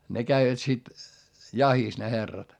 ne kävivät sitten jahdissa ne herrat